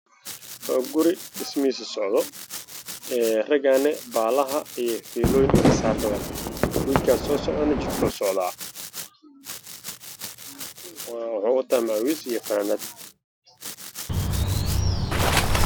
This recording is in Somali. Waa meel waddo ah guri ayaa la dhisayaa niman ayaa jooga waxaa soo socda nin oo marayo waddada